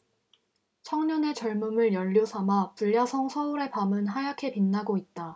청년의 젊음을 연료 삼아 불야성 서울의 밤은 하얗게 빛나고 있다